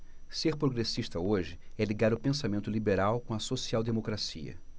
ser progressista hoje é ligar o pensamento liberal com a social democracia